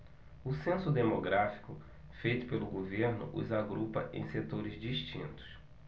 o censo demográfico feito pelo governo os agrupa em setores distintos